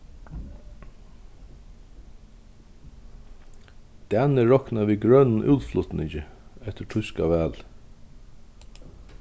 danir rokna við grønum útflutningi eftir týska valið